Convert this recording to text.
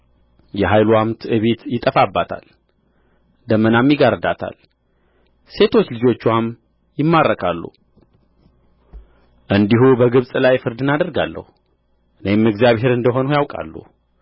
የኃይልዋም ትዕቢት ይጠፋባታል ደመናም ይጋርዳታል ሴቶች ልጆችዋም ይማረካሉ እንዲሁ በግብጽ ላይ ፍርድን አደርጋለሁ እኔም እግዚአብሔር እንደ ሆንሁ ያውቃሉ